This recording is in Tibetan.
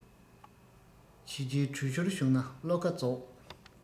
བྱས རྗེས དྲུད ཤུལ བྱུང ན བློ ཁ རྫོགས